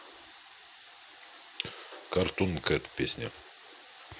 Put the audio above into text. cartoon cat песня